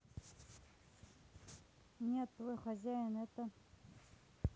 нет твой хозяин это